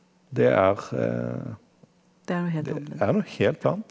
det er det er noe helt annet.